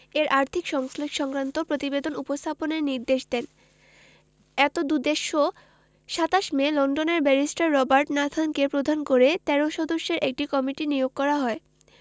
এর আর্থিক সংশ্লেষ সংক্রান্ত প্রতিবেদন উপস্থাপনের নির্দেশ দেন এতদুদ্দেশ্যে ২৭ মে লন্ডনের ব্যারিস্টার রবার্ট নাথানকে প্রধান করে ১৩ সদস্যের একটি কমিটি নিয়োগ করা হয়